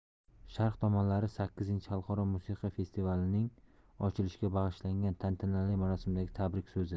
sharq taronalari sakkizinchi xalqaro musiqa festivalining ochilishiga bag'ishlangan tantanali marosimdagi tabrik so'zi